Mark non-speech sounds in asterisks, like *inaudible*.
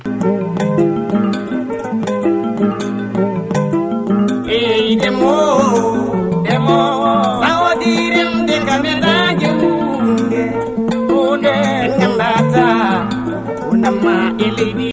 *music*